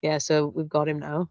Ie, so we've got him now.